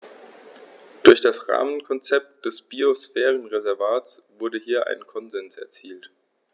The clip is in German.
Durch das Rahmenkonzept des Biosphärenreservates wurde hier ein Konsens erzielt.